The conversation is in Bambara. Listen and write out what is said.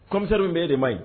Comisaw bɛ de ma ɲi